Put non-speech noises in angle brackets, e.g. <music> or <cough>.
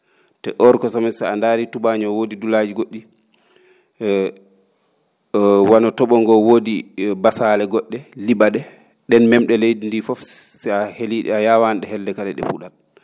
te or que sami so a ndaarii tubaañoo woodi duulaji go??i <hesitation> wano to?o ngoo woodi e basaale go??e li?a ?e ?een mem?e leydi ndii fof si a helii?e a yaawaani ?e helde kala ?e pu?at